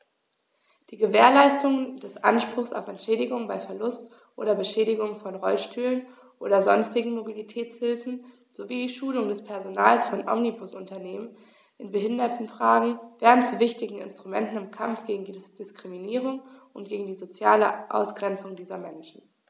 Die Gewährleistung des Anspruchs auf Entschädigung bei Verlust oder Beschädigung von Rollstühlen oder sonstigen Mobilitätshilfen sowie die Schulung des Personals von Omnibusunternehmen in Behindertenfragen werden zu wichtigen Instrumenten im Kampf gegen Diskriminierung und gegen die soziale Ausgrenzung dieser Menschen.